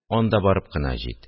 – анда барып кына җит!